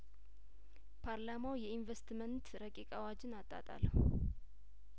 ፓርላማው የኢንቨስትመንት ረቂቅ አዋጅን አጣ ጣለው